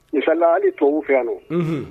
Misala hali tɔbabu fɛ yan don